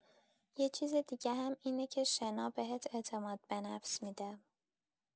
یه چیز دیگه هم اینه که شنا بهت اعتماد به نفس می‌ده.